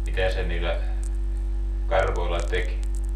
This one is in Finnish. mitä se niillä karvoilla teki